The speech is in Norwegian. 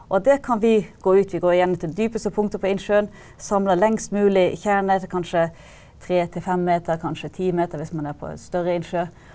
og det kan vi gå ut vi går gjerne ut til det dypeste punktet på innsjøen samler lengst mulig kjerner, kanskje tre til fem meter, kanskje ti meter hvis man er på en større innsjø.